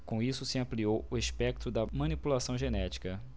com isso se ampliou o espectro da manipulação genética